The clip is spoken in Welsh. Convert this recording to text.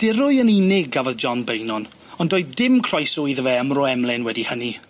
Dirwy yn unig gafodd John Beynon ond doedd dim croeso iddo fe ym Mro Emlyn wedi hynny.